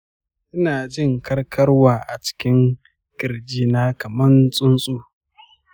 ina jin karkarwa a cikin ƙirji na kaman tsuntsu.